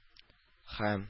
Һәм